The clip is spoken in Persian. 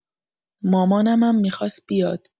مامانمم می‌خواست بیاد.